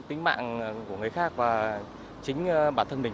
tính mạng của người khác và chính bản thân mình